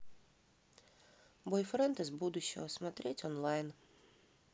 бойфренд из будущего смотреть онлайн